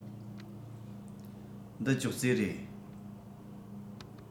འདི ཅོག ཙེ རེད